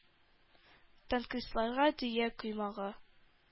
Танкистларга – дөя “коймагы”